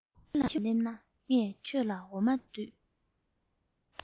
ཁྱིམ ལ སླེབས ན ངས ཁྱོད ལ འོ མ ལྡུད